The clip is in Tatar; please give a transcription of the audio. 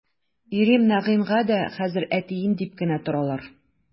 Ирем Нәгыймгә дә хәзер әтием дип кенә торалар.